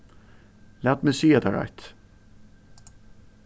lat meg siga tær eitt